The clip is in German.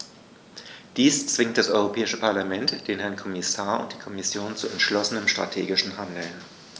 Dies zwingt das Europäische Parlament, den Herrn Kommissar und die Kommission zu entschlossenem strategischen Handeln.